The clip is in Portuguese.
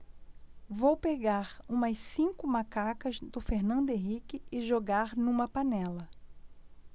vou pegar umas cinco macacas do fernando henrique e jogar numa panela